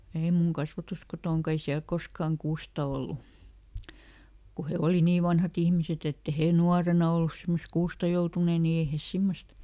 ei minun kasvatuskotonakaan ei siellä koskaan kuusta ollut kun he oli niin vanhat ihmiset että ei he nuorena ollut semmoista kuusta joutuneet niin ei he semmoista